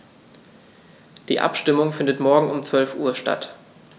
Die Abstimmung findet morgen um 12.00 Uhr statt.